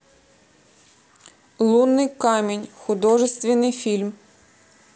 лунный камень художественный фильм